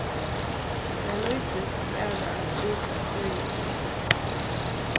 mær nýtist bara at vita hvørji tey eru